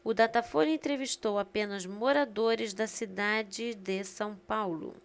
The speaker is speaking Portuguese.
o datafolha entrevistou apenas moradores da cidade de são paulo